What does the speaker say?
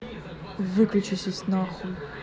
выключись на хуй